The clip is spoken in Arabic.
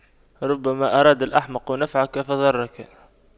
ربما أراد الأحمق نفعك فضرك